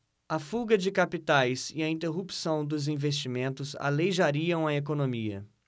a fuga de capitais e a interrupção dos investimentos aleijariam a economia